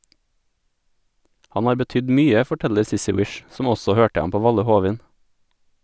Han har betydd mye, forteller Sissy Wish, som også hørte ham på Valle Hovin.